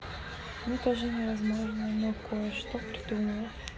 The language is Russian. мне тоже невозможно но кое что придумал